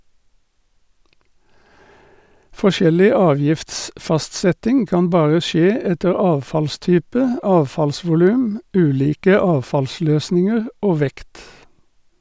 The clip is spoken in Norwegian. Forskjellig avgiftsfastsetting kan bare skje etter avfallstype, avfallsvolum , ulike avfallsløsninger og vekt.